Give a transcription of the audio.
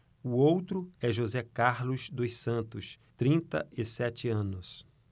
o outro é josé carlos dos santos trinta e sete anos